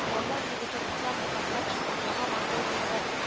Казан егете Руслан Мөхәммәтшин янә “Мордовиягә